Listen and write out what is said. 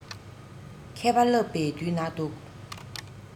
མཁས པ སློབ པའི དུས ན སྡུག